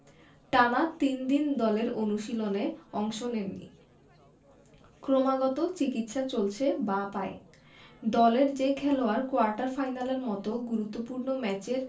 টানা তিন দিন দলের অনুশীলনে অংশ নেননি ক্রমাগত চিকিৎসা চলছে বাঁ পায়ে দলের যে খেলোয়াড় কোয়ার্টার ফাইনালের মতো গুরুত্বপূর্ণ ম্যাচের